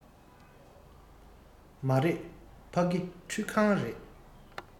མ རེད ཕ གི ཁྲུད ཁང རེད